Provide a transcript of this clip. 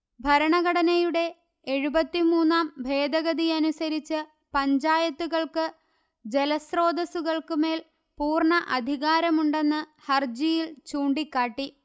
ഭരണഘടനയുടെ എഴുപത്തിമൂന്നാം ഭേദഗതിയനുസരിച്ച് പഞ്ചായത്തുകൾക്ക് ജലസ്രോതസ്സുകൾക്ക് മേൽ പൂർണ അധികാരമുണ്ടെന്ന്ഹർജിയിൽ ചൂണ്ടിക്കാട്ടി